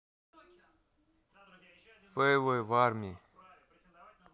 фейлы в army